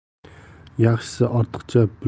yaxshisi ortiqcha puling